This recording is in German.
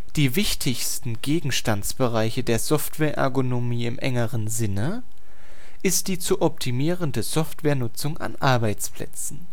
Der wichtigste Gegenstandsbereich der Software-Ergonomie im engeren Sinne ist die zu optimierende Softwarenutzung an Arbeitsplätzen